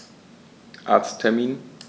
Arzttermin